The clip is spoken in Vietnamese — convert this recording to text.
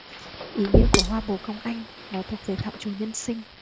ý nghĩa của hoa bồ công anh nó thuộc về phạm trù nhân sinh